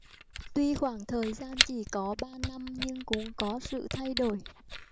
tuy khoảng thời gian chỉ có ba năm nhưng cũng có sự thay đổi